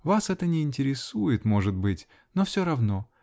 Вас это не интересует, может быть: но все равно.